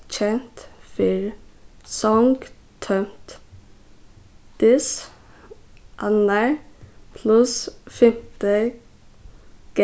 kent fyrr song tómt this annar pluss fimti